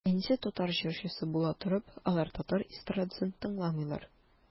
Әнисе татар җырчысы була торып, алар татар эстрадасын тыңламыйлар.